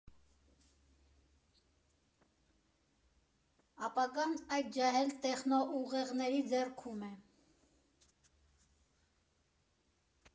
Ապագան այդ ջահել տեխնոուղեղների ձեռքում է։